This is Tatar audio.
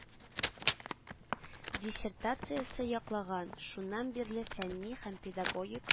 Диссертациясе яклаган, шуннан бирле фәнни һәм педагогик